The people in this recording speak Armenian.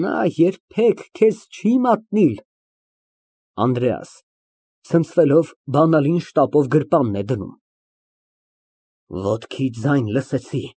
Նա երբեք քեզ չի մատնիլ։ ԱՆԴՐԵԱՍ ֊ (Ցնցվելով, բանալին շտապով գրպանն է դնում) Ահ, ոտքի ձայն լսեցի։